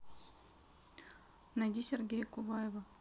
найди сергея куваева